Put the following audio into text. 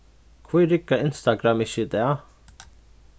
hví riggar instagram ikki í dag